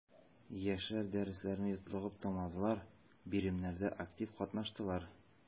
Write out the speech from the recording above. Яшьләр дәресләрне йотлыгып тыңладылар, биремнәрдә актив катнаштылар.